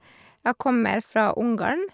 Jeg kommer fra Ungarn.